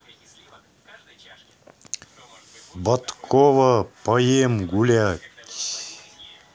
баткова поем гулять